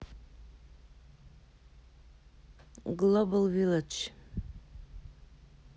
global village